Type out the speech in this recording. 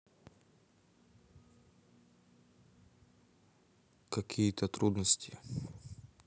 какие то трудности